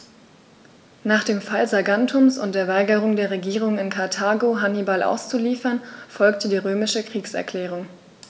Nach dem Fall Saguntums und der Weigerung der Regierung in Karthago, Hannibal auszuliefern, folgte die römische Kriegserklärung.